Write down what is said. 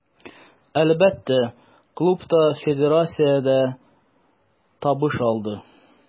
Әлбәттә, клуб та, федерация дә табыш алды.